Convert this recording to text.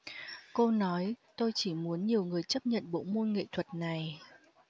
cô nói tôi chỉ muốn nhiều người chấp nhận bộ môn nghệ thuật này